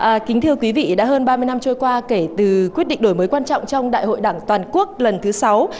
à kính thưa quý vị đã hơn ba mươi năm trôi qua kể từ quyết định đổi mới quan trọng trong đại hội đảng toàn quốc lần thứ sáu